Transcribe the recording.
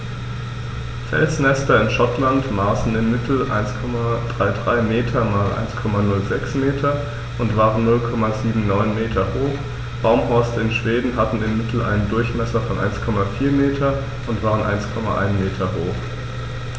Felsnester in Schottland maßen im Mittel 1,33 m x 1,06 m und waren 0,79 m hoch, Baumhorste in Schweden hatten im Mittel einen Durchmesser von 1,4 m und waren 1,1 m hoch.